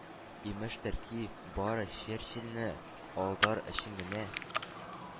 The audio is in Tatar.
Имештер ки, “бары черчилльне алдар өчен генә